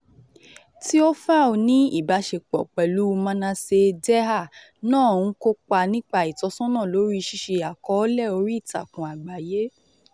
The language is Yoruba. Théophile ní ìbáṣepọ̀ pẹ̀lú Manasseh Deheer náà ń kọ nípa ìtọ́sọ́nà lórí ṣíṣe àkọọ́lẹ̀ oríìtakùn àgbáyé.